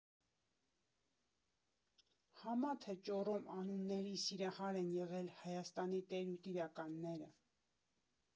Համա թե ճոռոմ անունների սիրահար են եղել Հայաստանի տեր ու տիրականները։